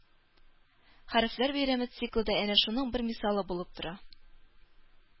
«хәрефләр бәйрәме» циклы да әнә шуның бер мисалы булып тора